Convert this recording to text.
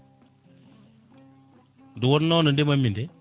nde wonno nde ndeemanmi nde